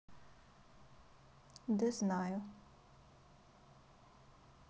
да знаю